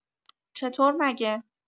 چطور مگه؟